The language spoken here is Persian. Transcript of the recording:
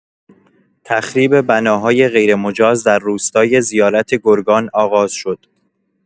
تخریب بناهای غیرمجاز در روستای زیارت گرگان آغاز شد.